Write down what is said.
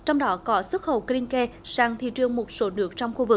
trong đó có xuất khẩu cờ lin ke sang thị trường một số nước trong khu vực